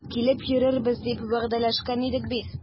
Килеп йөрербез дип вәгъдәләшкән идек бит.